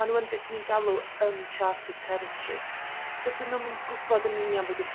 ma'n nhw yn be swn i'n galw uncharted territory. Dydyn nhw'm yn gwybod yn union be 'd''r